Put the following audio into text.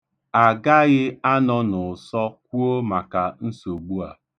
A gaghị anọ n'ụsọ kwuo maka nsogbu a.